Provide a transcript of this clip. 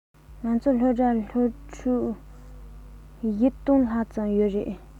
ང ཚོའི སློབ གྲྭར སློབ ཕྲུག བཞི སྟོང ལ ལྷག ཙམ ཡོད རེད